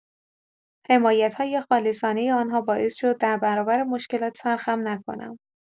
حمایت‌های خالصانه آن‌ها باعث شد دربرابر مشکلات سر خم نکنم.